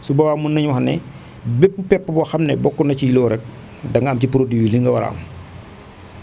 su boobaa mun nañu wax ni bépp pepp boo xam ne bokk na ci loolu rek da nga am ci produit li nga war a am